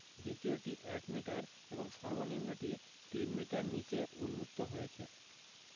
দ্বিতীয়টি ১মিটার এবং সর্বনিম্নটি ৩মিটার নিচে উন্মুক্ত হয়েছে